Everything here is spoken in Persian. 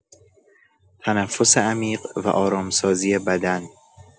تنفس عمیق و آرام‌سازی بدن